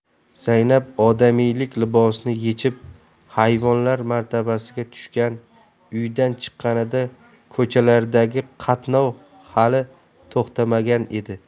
zaynab odamiylik libosini yechib hayvonlik martabasiga tushgan uydan chiqqanida ko'chalardagi qatnov hali to'xtamagan edi